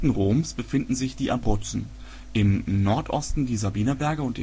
Roms befinden sich die Abruzzen, im Nordosten die Sabiner Berge und